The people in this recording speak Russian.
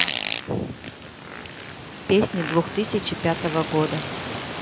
песни двух тысячи пятого года